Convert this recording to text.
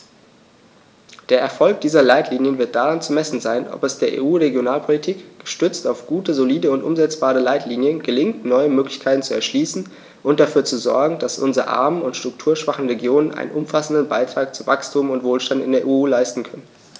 Der Erfolg dieser Leitlinien wird daran zu messen sein, ob es der EU-Regionalpolitik, gestützt auf gute, solide und umsetzbare Leitlinien, gelingt, neue Möglichkeiten zu erschließen und dafür zu sorgen, dass unsere armen und strukturschwachen Regionen einen umfassenden Beitrag zu Wachstum und Wohlstand in der EU leisten können.